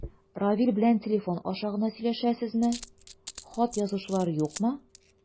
Равил белән телефон аша гына сөйләшәсезме, хат язышулар юкмы?